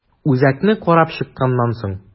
Үзәкне карап чыкканнан соң.